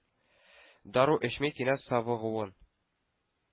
Дару эчми кинәт савыгуын.